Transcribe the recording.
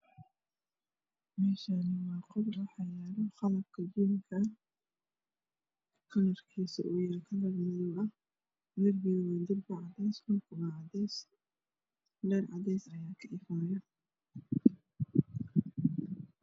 Meeshaani waa qol waxaa yaalo qalabka jiimka kalarkisa uu yahay kalar madow darbiga waa cadays dhulka waa cadays leerka cadays